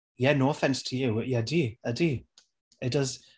Ie, no offence to you. Ie ydi, ydi. It does.